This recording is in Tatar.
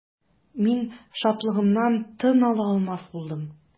Мин шатлыгымнан тын ала алмас булдым.